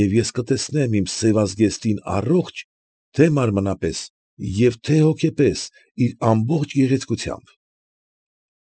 Եվ ես կտեսնեմ իմ սևազգեստին առողջ թե՛ մարմնապես և թե՛ հոգեպես իր ամբողջ գեղեցկությամբ։